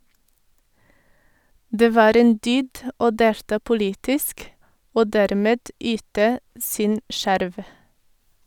Det var en dyd å delta politisk og dermed yte sin skjerv.